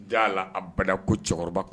Jaa la a bada ko cɛkɔrɔba